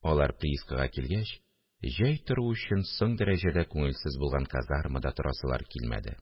Алар приискага килгәч, җәй тору өчен соң дәрәҗәдә күңелсез булган казармада торасылар килмәде